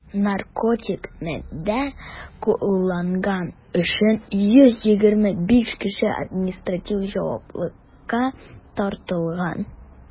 Наркотик матдә кулланган өчен 125 кеше административ җаваплылыкка тартылган.